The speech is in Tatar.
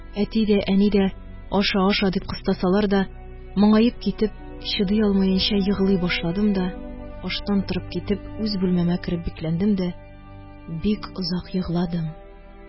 Әти дә, әни дә «аша, аша» дип кыстасалар да, моңаеп китеп, чыдый алмаенча еглый башладым да аштан торып китеп, үз бүлмәмә кереп бикләндем дә, бик озак егладым